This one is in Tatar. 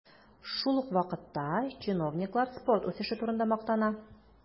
Шул ук вакытта чиновниклар спорт үсеше турында мактана.